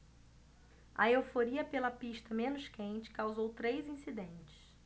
a euforia pela pista menos quente causou três incidentes